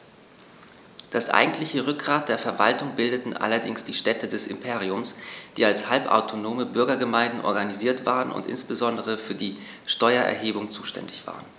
Das eigentliche Rückgrat der Verwaltung bildeten allerdings die Städte des Imperiums, die als halbautonome Bürgergemeinden organisiert waren und insbesondere für die Steuererhebung zuständig waren.